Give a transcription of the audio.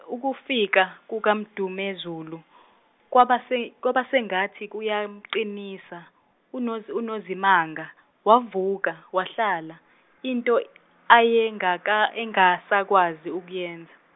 ukufika, kukaMdumezulu, kwabas- kwabasengathi kuyamqinisa, uNoz- uNozimanga, wavuka, wahlala, into, ayengaka- ayengasakwazi ukuyenza.